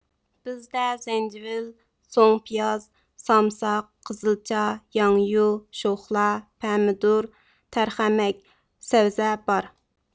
بىزدە زەنجىۋىل سۇڭپىياز سامساق قىزىلچا ياڭيۇ شوخلا پەمىدۇر تەرخەمەك سەۋزە بار